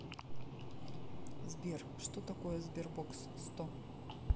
сбер что такое sberbox сто